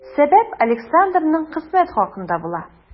Сәбәп Александрның хезмәт хакында була.